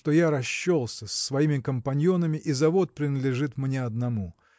что я расчелся со своими компаньонами и завод принадлежит мне одному.